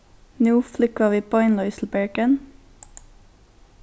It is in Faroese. nú flúgva vit beinleiðis til bergen